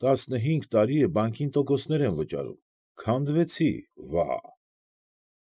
Տասնհինգ տարի է բանկին տոկոսներ եմ վճարում, քանդվեցի, վա՜։